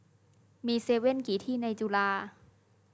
มีเซเว่นกี่ที่ในจุฬา